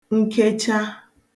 nkecha